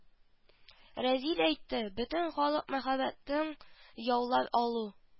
Разил әйтте бөтен халык мәхәббәтен яулап алу